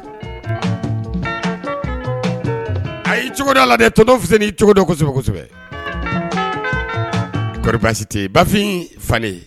A cogoda lasen cogosɛbɛ kosɛbɛsɛbɛ tɛ bafin